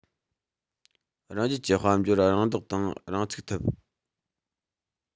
རང རྒྱལ གྱི དཔལ འབྱོར རང བདག དང རང ཚུགས ཐུབ